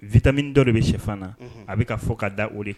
Vitamine dɔ de bi sɛfan na a bi ka fɔ ka da o de